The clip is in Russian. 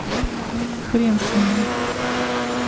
хрен с ними